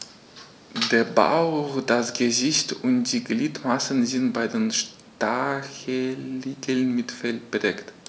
Der Bauch, das Gesicht und die Gliedmaßen sind bei den Stacheligeln mit Fell bedeckt.